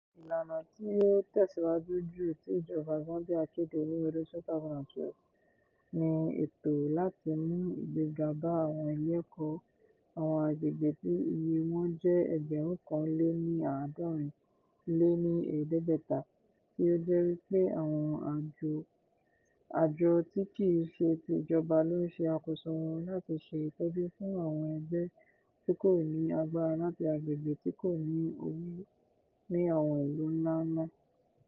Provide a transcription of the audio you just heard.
Ìlànà tí ó tẹ̀síwájú jù tí ìjọba Zambia kéde ní ọdún 2012 ni àwọn ètò láti mú ìgbéga bá àwọn ilé ẹ̀kọ́ àwọn àgbègbè tí iye wọn jẹ́ ẹgbẹ̀rún kan lé ní àádọ́rin lé ní ẹ̀ẹ́dẹ́gbẹ̀ta tí ó jẹ́ wí pé àwọn àjọ tí kìí ṣe ti ìjọba ló ń ṣe àkóso wọn láti ṣe ìtọ́jú fún àwọn ẹgbẹ́ tí kò ní agbára láti àgbègbè tí kò ní owó ní àwọn ìlú ńlá ńlá.